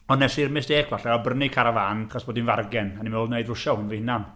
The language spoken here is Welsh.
Ond wnes i'r mistêc falle o brynu carafán achos bod hi'n fargen. A o'n i'n meddwl, "wna i drwsio hwn fy hunain".